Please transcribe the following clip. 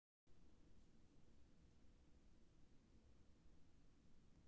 кто такие пришельцы